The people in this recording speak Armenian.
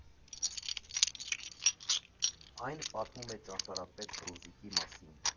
Այն պատմում է ճարտարապետ Ֆրունզիկի մասին։